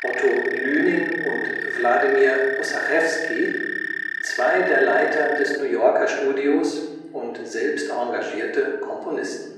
Otto Luening und Vladimir Ussachevski, zwei der Leiter des New Yorker Studios und selbst engagierte Komponisten